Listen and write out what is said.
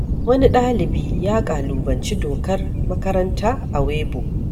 Wani ɗalibi ya ƙalubalanci dokar makarata a Weibo: